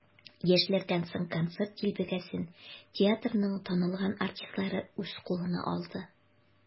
Яшьләрдән соң концерт дилбегәсен театрның танылган артистлары үз кулына алды.